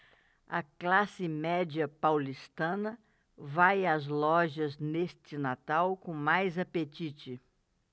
a classe média paulistana vai às lojas neste natal com mais apetite